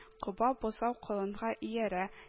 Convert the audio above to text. Коба бозау колынга иярә